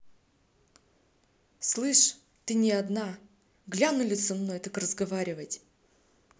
слышь ты не одна глянули со мной так разговаривать